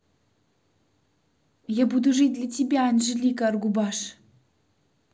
я буду жить для тебя анжелика аргубаш